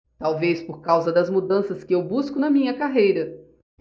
talvez por causa das mudanças que eu busco na minha carreira